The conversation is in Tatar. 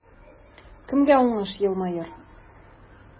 Кемгә уңыш елмаер?